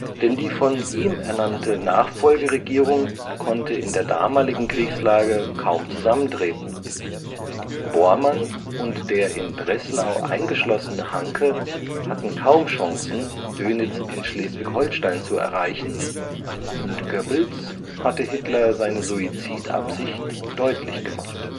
Denn die von ihm ernannte Nachfolgeregierung konnte in der damaligen Kriegslage kaum zusammentreten: Bormann und der in Breslau eingeschlossene Hanke hatten kaum Chancen, Dönitz in Schleswig-Holstein zu erreichen, und Goebbels hatte Hitler seine Suizidabsicht deutlich gemacht